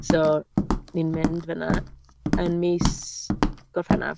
So, ni'n mynd fan'na yn mis Gorffennaf.